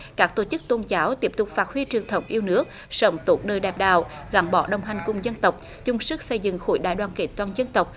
các tổ chức tôn giáo tiếp tục phát huy truyền thống yêu nước sống tốt đời đẹp đạo gắn bó đồng hành cùng dân tộc chung sức xây dựng khối đại đoàn kết toàn dân tộc